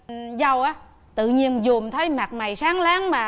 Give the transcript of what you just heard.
dâu á tự nhiên dồn thấy mặt mày sáng láng mà